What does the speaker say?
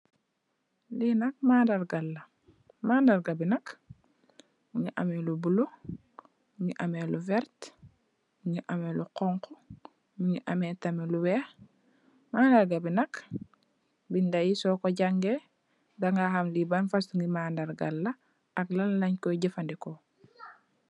Li nak mandarga la, mandarga bi nak mugii ameh lu bula, mugii ameh lu werta, mugii ameh lu xonxu mugii ameh tamit lu wèèx . Mandarga bi nak bindé yi so ko jangèè li di nga la ak lan lañ koy jafandiko.